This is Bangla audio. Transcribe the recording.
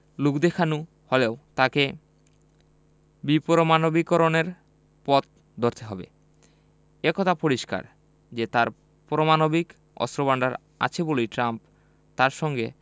লোকদেখানো হলেও তাঁকে বিপরমাণবিকীকরণের পথ ধরতে হবে এ কথা পরিষ্কার যে তাঁর পরমাণবিক অস্ত্রভান্ডার আছে বলেই ট্রাম্প তাঁর সঙ্গে